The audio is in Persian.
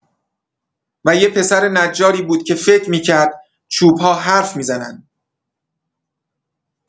و یه پسر نجاری بود که فکر می‌کرد چوب‌ها حرف می‌زنن.